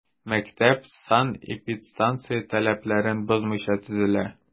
Мәктәп санэпидстанция таләпләрен бозмыйча төзелә.